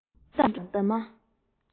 ཟེའུ འབྲུ དང འདབ མ